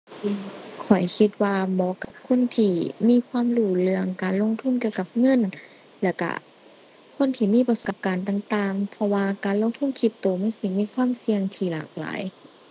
ข้อยคิดว่าเหมาะกับคนที่มีความรู้เรื่องการลงทุนเกี่ยวกับเงินแล้วก็คนที่มีประสบการณ์ต่างต่าง เพราะว่าการลงทุน Crypto มันสิมีความเสี่ยงที่หลากหลาย